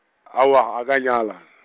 aowa, ga ka nyala.